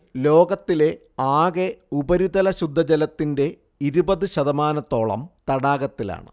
ലോകത്തിലെ ആകെ ഉപരിതല ശുദ്ധജലത്തിന്റെ ഇരുപത് ശതമാനത്തോളം തടാകത്തിലാണ്